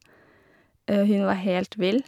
Hun var helt vill.